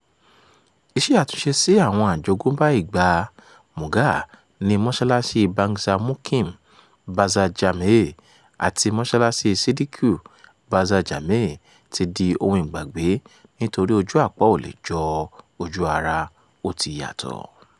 Iṣẹ́ àtúnṣe sí àwọn àjogúnbá ìgbàa Mughal ní mọ́ṣálááṣí Bangshal Mukim Bazar Jam-e àti mọ́ṣálááṣí Siddique Bazar Jam-e ti di ohun ìgbàgbé nítorí ojú àpá ò le è jọ ojú ara, ó ti yàtọ̀.